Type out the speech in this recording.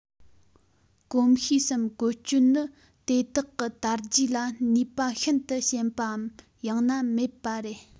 གོམས གཤིས སམ བཀོལ སྤྱོད ནི དེ དག གི དར རྒྱས ལ ནུས པ ཤིན ཏུ ཞན པའམ ཡང ན མེད པ རེད